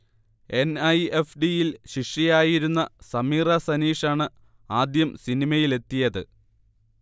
N. I. F. D. യിൽ ശിഷ്യയായിരുന്ന സമീറ സനീഷാണ് ആദ്യം സിനിമയിലെത്തിയത്